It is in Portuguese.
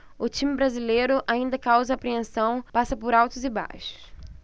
o time brasileiro ainda causa apreensão passa por altos e baixos